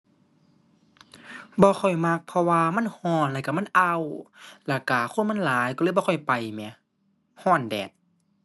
บ่ค่อยมัก เพราะว่ามันร้อนแล้วร้อนมันอ้าว แล้วร้อนคนมันหลาย ร้อนเลยบ่ค่อยไปแหม ร้อนแดด